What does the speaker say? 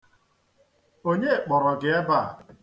Onye kpọrọ gị ebe a?